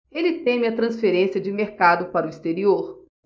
ele teme a transferência de mercado para o exterior